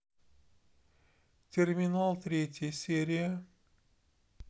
терминал третья серия